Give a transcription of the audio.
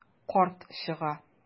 Карт чыга.